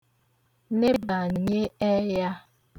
nebànye ẹyā